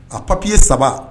A papier 3